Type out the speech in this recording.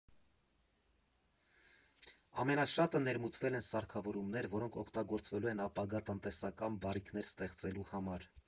Ամենաշատը ներմուծվել են սարքավորումներ, որոնք օգտագործվելու են ապագա տնտեսական բարիքներ ստեղծելու համար։